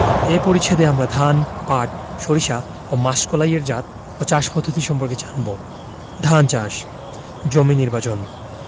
এ পরিচ্ছেদে আমরা ধান পাট সরিষা ও মাসকলাই এর জাত ও চাষ পদ্ধতি সম্পর্কে জানব ধান চাষ জমি নির্বাচন